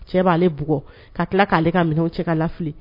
Cɛ b'ale bugɔ ka tila k'ale ka minɛnw cɛ k'a lafili